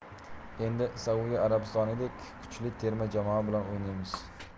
endi saudiya arabistonidek kuchli terma jamoa bilan o'ynaymiz